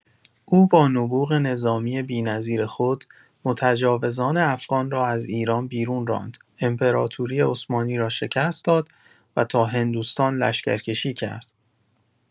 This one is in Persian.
او با نبوغ نظامی بی‌نظیر خود، متجاوزان افغان را از ایران بیرون راند، امپراتوری عثمانی را شکست داد و تا هندوستان لشکرکشی کرد.